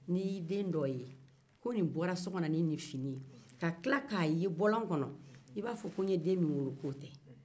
n'i ye i den dɔ ye ko ni bɔra so kɔnɔ ni nin fini ye ka tila k'a ye bɔlɔn kɔnɔ i b'a fɔ ko n'ye den min wolo k'o tɛ